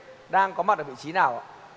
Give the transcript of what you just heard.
đang có mặt ở vị trí nào ạ